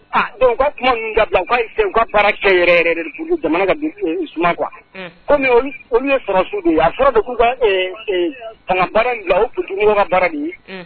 Dɔnku u ka kuma ka u ka cɛ yɛrɛ dugu jamana kuwa u sɔrɔ su sɔrɔ k'u ka baara u dugu ka baara de ye